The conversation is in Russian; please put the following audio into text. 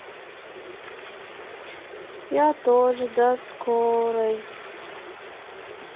я тоже до скорой